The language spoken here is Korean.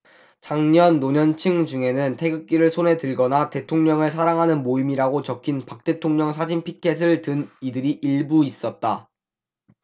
장년 노년층 중에는 태극기를 손에 들거나 대통령을 사랑하는 모임이라고 적힌 박 대통령 사진 피켓을 든 이들이 일부 있었다